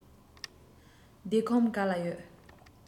བསྡད ཁོམ ག ལ ཡོད